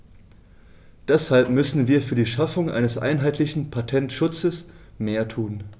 Deshalb müssen wir für die Schaffung eines einheitlichen Patentschutzes mehr tun.